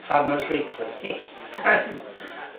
Farmers Weekly